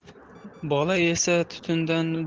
bola esa tutundan